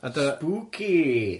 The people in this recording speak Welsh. A dy-... Spooky.